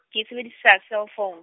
ke sebedisa cell phone.